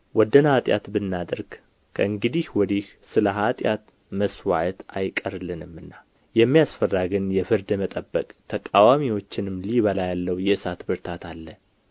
ወደን ኃጢአት ብናደርግ ከእንግዲህ ወዲህ ስለ ኃጢአት መሥዋዕት አይቀርልንምና የሚያስፈራ ግን የፍርድ መጠበቅ ተቃዋሚዎችንም ሊበላ ያለው የእሳት ብርታት አለ